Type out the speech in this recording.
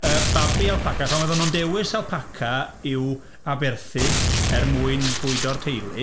Yy babi alpaca... pan oedden nhw'n dewis alpaca i'w aberthu er mwyn bwydo'r teulu.